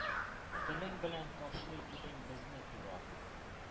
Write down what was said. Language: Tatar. Телең белән ташлый идең безне турап.